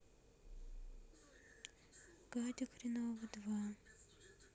гадя хренова два